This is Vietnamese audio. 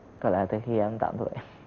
có lẽ từ khi em tám tuổi